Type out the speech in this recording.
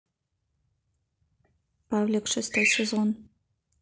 павлик шестой сезон